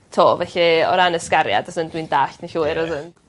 to felly o ran ysgariad fysen dwi'n dallt yn llwyr a wedyn...